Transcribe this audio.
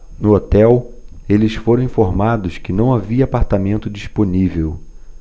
no hotel eles foram informados que não havia apartamento disponível